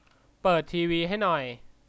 เปิดทีวีให้หน่อย